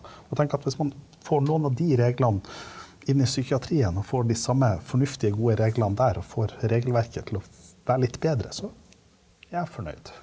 og tenker at hvis man får noen av de reglene inn i psykiatrien og får de samme fornuftige, gode reglene der og får regelverket til å være litt bedre, så er jeg fornøyd.